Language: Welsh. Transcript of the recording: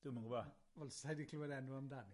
Dwi'm yn gwybod. Wel, sai 'di clywed enw amdani.